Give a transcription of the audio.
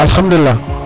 alhamdulila